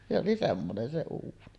se oli semmoinen se uuni